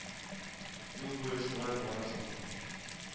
Юл буе шулай барырсыңмы